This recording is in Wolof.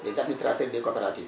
les administrateurs des coopératives